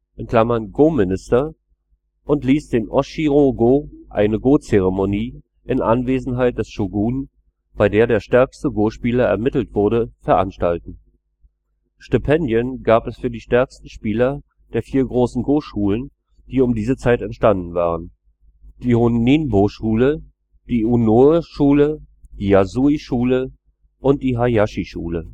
Go-Minister “) und ließ den o-shiro-go, eine Go-Zeremonie in Anwesenheit des Shōgun, bei der der stärkste Go-Spieler ermittelt wurde, veranstalten. Stipendien gab es für die stärksten Spieler der vier großen Go-Schulen, die um diese Zeit entstanden waren: die Honinbo-Schule, die Inoue-Schule, die Yasui-Schule und die Hayashi-Schule